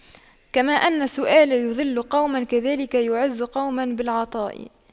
كما أن السؤال يُذِلُّ قوما كذاك يعز قوم بالعطاء